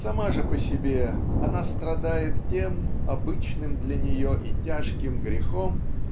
сама же по себе она страдает тем обычным для нее и тяжким грехом